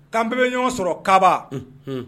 K'an bɛɛ be ɲɔgɔn sɔrɔ Kaaba unhun